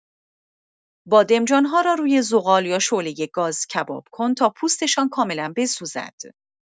بادمجان‌ها را روی زغال یا شعله گاز کباب کن تا پوستشان کاملا بسوزد.